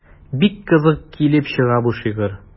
Бик кызык килеп чыга бу шигырь.